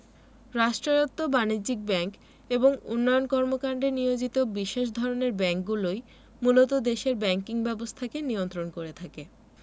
রাষ্ট্রায়ত্ত বাণিজ্যিক ব্যাংক এবং উন্নয়ন কর্মকান্ডে নিয়োজিত বিশেষ ধরনের ব্যাংকগুলোই মূলত দেশের ব্যাংকিং ব্যবস্থাকে নিয়ন্ত্রণ করে থাকে